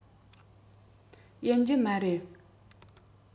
ཡིན རྒྱུ མ རེད